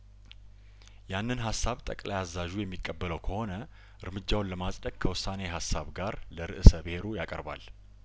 ያንን ሀሳብ ጠቅላይ አዛዡ የሚቀበለው ከሆነ እርምጃውን ለማጽደቅ ከውሳኔ ሀሳብ ጋር ለርእሰ ብሄሩ ያቀርባል